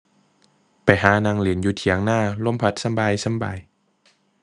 ไปหานั่งเล่นอยู่เถียงนาลมพัดสำบายสำบาย